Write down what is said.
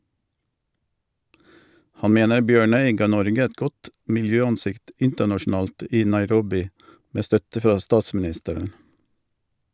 Han mener Bjørnøy ga Norge et godt miljøansikt internasjonalt i Nairobi, med støtte fra statsministeren.